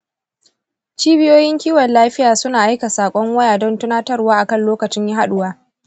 cibiyoyin kiwon lafiya suna aika saƙon waya don tunatarwa a kan lokacin haduwa.